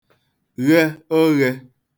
ghe oghē